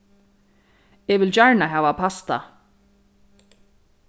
eg vil gjarna hava pasta